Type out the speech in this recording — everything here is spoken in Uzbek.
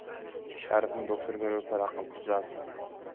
sharifni do'xtirga ro'para qil tuzatsin